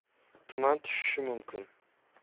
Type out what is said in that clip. tuman tushishi mumkin